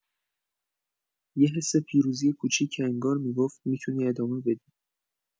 یه حس پیروزی کوچیک که انگار می‌گفت «می‌تونی ادامه بدی.»